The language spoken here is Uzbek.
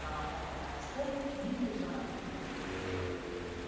falokat darakchisi uning peshonasida miltillab turibdi